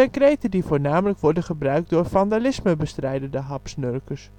kreten die voornamelijk worden gebruikt door de vandalismebestrijdende hapsnurker